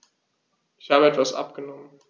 Ich habe etwas abgenommen.